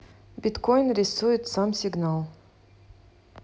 биткоин рисует сам сигнал